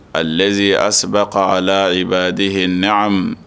Allezi asbaqa ala ibaadihi niamihi --